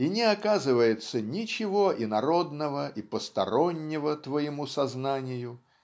и не оказывается ничего инородного и постороннего твоему сознанию